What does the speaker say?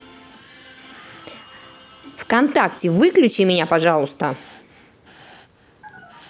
вконтакте выключи меня пожалуйста